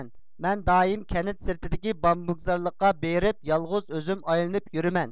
مەن دائىم كەنت سىرتىدىكى بامبۇكزارلىققا بېرىپ يالغۇز ئۆزۈم ئايلىنىپ يۈرىمەن